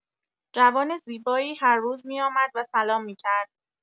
جوان زیبایی هر روز می‌آمد و سلام می‌کرد.